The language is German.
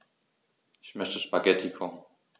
Ich möchte Spaghetti kochen.